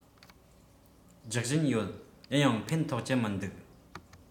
རྒྱག བཞིན ཡོད ཡིན ཡང ཕན ཐོགས ཀྱི མི འདུག